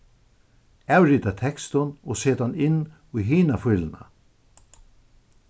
avrita tekstin og set hann inn í hina fíluna